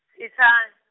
Itsani.